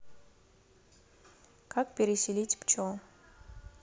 как переселить пчел